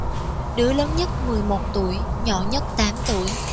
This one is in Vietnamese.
đứa lớn nhất mười một tuổi nhỏ nhất tám tuổi